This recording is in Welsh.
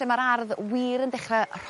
lle ma'r ardd wir yn dechra